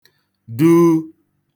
duu